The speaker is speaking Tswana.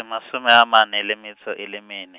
a masome amane le metso e le mene.